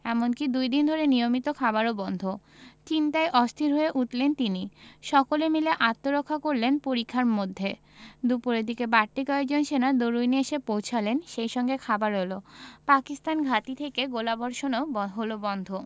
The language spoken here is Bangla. এমনকি দুই দিন ধরে নিয়মিত খাবারও বন্ধ চিন্তায় অস্থির হয়ে উঠলেন তিনি সকলে মিলে আত্মরক্ষা করলেন পরিখার মধ্যে দুপুরের দিকে বাড়তি কয়েকজন সেনা দরুইনে এসে পৌঁছালেন সেই সঙ্গে খাবারও এলো পাকিস্তানি ঘাঁটি থেকে গোলাবর্ষণও হলো বন্ধ